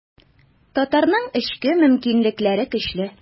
Татарның эчке мөмкинлекләре көчле.